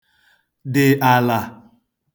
dị̀ àlà